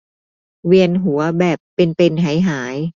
เวียนหัวแบบเป็นเป็นหายหาย